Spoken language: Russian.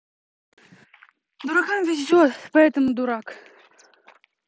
дуракам везет поэтому дурак